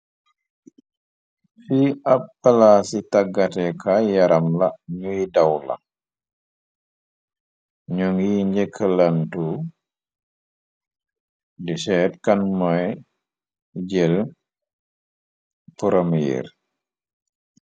fi ab pala ci taggate kaay yaram la ñuy daw la ño ngi njëkklantu di shete kan mooy jël pramyer.